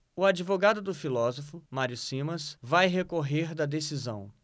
o advogado do filósofo mário simas vai recorrer da decisão